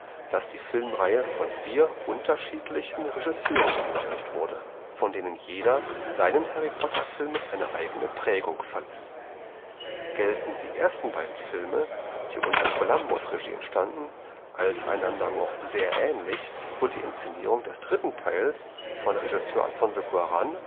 Filmreihe von vier unterschiedlichen Regisseuren umgesetzt wurde, von denen jeder seinen Harry-Potter-Filmen eine eigene Prägung verlieh. Gelten die ersten beiden Filme, die unter Columbus’ Regie entstanden, als einander noch sehr ähnlich, wird die Inszenierung des dritten Teils von Regisseur Alfonso Cuarón